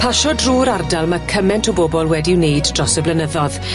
Pasio drw'r ardal ma' cyment o bobol wedi wneud dros y blynyddodd